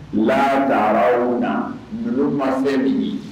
Wula taaraw na dunun ma se min